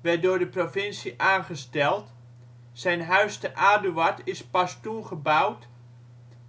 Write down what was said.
werd door de provincie aangesteld, zijn Huis te Aduard is pas toen gebouwd